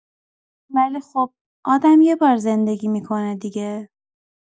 ولی خب، آدم یه بار زندگی می‌کنه دیگه.